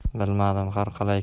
bilmadim har qalay